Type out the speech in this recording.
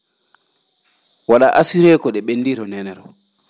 wa?aa assuré ko ?e ?enndii ro neene roo